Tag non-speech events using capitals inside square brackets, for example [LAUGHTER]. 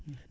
[HESITATION]